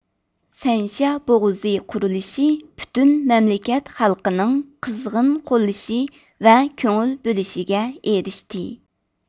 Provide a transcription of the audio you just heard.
سەنشيا بوغۇزى قۇرۇلۇشى پۈتۈن مەملىكەت خەلقىنىڭ قىزغىن قوللىشى ۋە كۆڭۈل بۆلۈشىگە ئېرىشتى